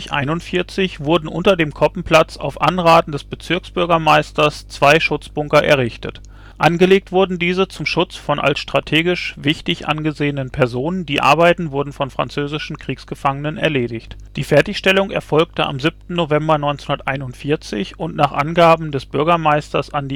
1941 wurden unter dem Koppenplatz auf Anraten des Bezirksbürgermeisters zwei Schutzbunker errichtet. Angelegt wurden diese zum Schutz von als strategisch wichtig angesehenen Personen, die Arbeiten wurden von französischen Kriegsgefangenen erledigt. Die Fertigstellung erfolgte am 7. November 1941 und nach Angaben des Bürgermeisters an